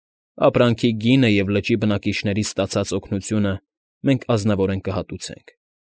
Ապրանքի գինը և լճի բնակիչներից ստացած օգնություը մենք ազնվորեն կհատուցենք։